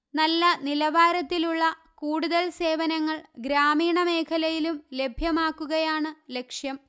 നല്ല നിലവാരത്തിലുള്ള കൂടുതല് സേവനങ്ങള് ഗ്രാമീണ മേഖലയിലും ലഭ്യമാക്കുകയാണ് ലക്ഷ്യം